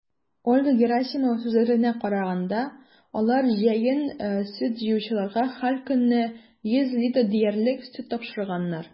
Ольга Герасимова сүзләренә караганда, алар җәен сөт җыючыларга һәркөнне 100 литр диярлек сөт тапшырганнар.